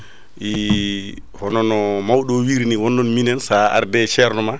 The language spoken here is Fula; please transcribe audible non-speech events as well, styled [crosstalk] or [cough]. [breath] [hesitation] hono no mawɗo wirini wonnon minen sa arde ceerno ma